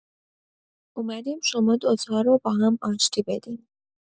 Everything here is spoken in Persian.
اومدیم شما دو تا رو با هم آشتی بدیم.